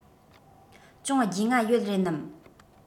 ཅུང རྒྱུས མངའ ཡོད རེད ནམ